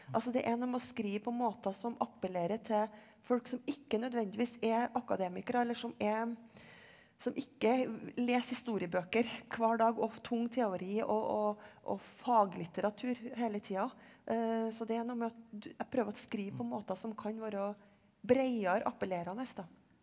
altså det er noe med å skrive på måter som appellerer til folk som ikke nødvendigvis er akademikere eller som er som ikke leser historiebøker hver dag og tung teori og og og faglitteratur hele tida så det er noe med at du jeg prøver å skrive på måter som kan være breiere appellerende da.